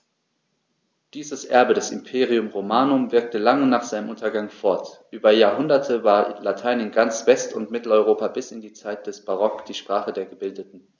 Dieses Erbe des Imperium Romanum wirkte lange nach seinem Untergang fort: Über Jahrhunderte war Latein in ganz West- und Mitteleuropa bis in die Zeit des Barock die Sprache der Gebildeten.